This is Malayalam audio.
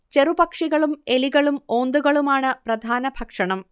ചെറു പക്ഷികളും എലികളും ഓന്തുകളുമാണ് പ്രധാന ഭക്ഷണം